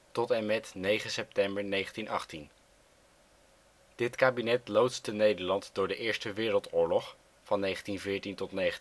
tot en met 9 september 1918. Dit kabinet loodste Nederland door de Eerste Wereldoorlog (1914-1918